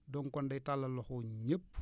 donc kon day tallal loxo ñëpp